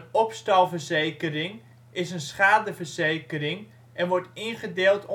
opstalverzekering is een schadeverzekering en wordt ingedeeld